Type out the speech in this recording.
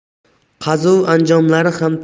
qazuv anjomlari ham